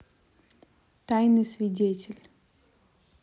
тайный свидетель